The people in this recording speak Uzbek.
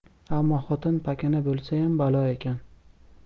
ammo xotin pakana bo'lsayam balo ekan